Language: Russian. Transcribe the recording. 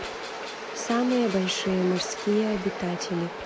самые большие морские обитатели